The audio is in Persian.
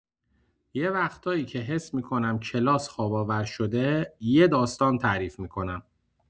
یه وقتایی که حس می‌کنم کلاس خواب‌آور شده، یه داستان تعریف می‌کنم.